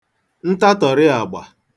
ntatọ̀rị àgbà